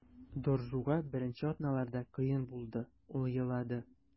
Доржуга беренче атналарда кыен булды, ул елады.